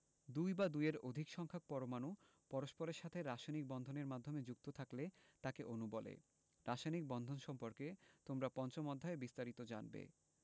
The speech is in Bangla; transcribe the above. দুই বা দুইয়ের অধিক সংখ্যক পরমাণু পরস্পরের সাথে রাসায়নিক বন্ধন এর মাধ্যমে যুক্ত থাকলে তাকে অণু বলে রাসায়নিক বন্ধন সম্পর্কে তোমরা পঞ্চম অধ্যায়ে বিস্তারিত জানবে